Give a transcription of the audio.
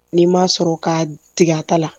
N'i m'a sɔrɔ ka tigata la